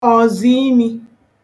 ọ̀zọ̀imī